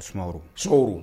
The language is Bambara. Sumaworo sumaworo